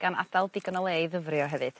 gan adal digon o le i ddyfrio hefyd.